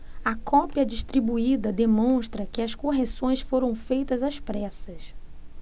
a cópia distribuída demonstra que as correções foram feitas às pressas